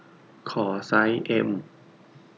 ขอไซส์เอ็ม